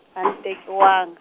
a ni tekiwanga.